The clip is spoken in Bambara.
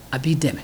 A b'i dɛmɛ